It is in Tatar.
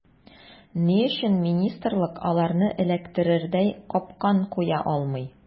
Ни өчен министрлык аларны эләктерердәй “капкан” куя алмый.